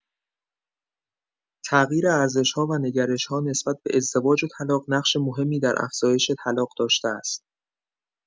تغییر ارزش‌ها و نگرش‌ها نسبت به ازدواج و طلاق، نقش مهمی در افزایش طلاق داشته است.